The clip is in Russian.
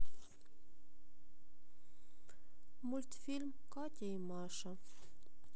мультфильм катя и маша